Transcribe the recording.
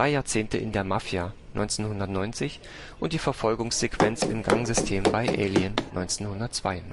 Jahrzehnte in der Mafia (1990) und die Verfolgungssequenz im Gangsystem bei Alien³ (1992